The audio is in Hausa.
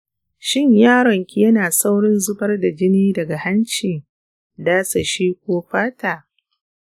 shin yaron ki yana saurin zubar da jini daga hanci, dasashi, ko fata?